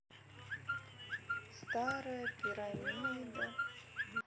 старая пирамида